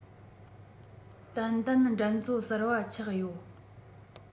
ཏན ཏན འགྲན རྩོད གསར པ ཆགས ཡོད